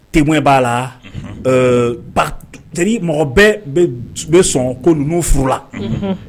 Te b'a la mɔgɔ bɛ sɔn ko numu furula